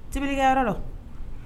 Tibilikɛ yɔrɔ la